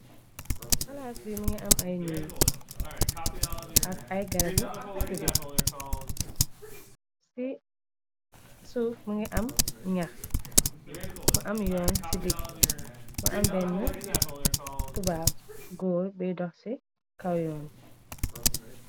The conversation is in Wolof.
Palaas bi mi nga am ay néeg, ak ay garab ci bi, ci suuf ma nga am nax, ma am yoon ci digg, ma am benn tubaab, góor bi dox ci kaw yoon.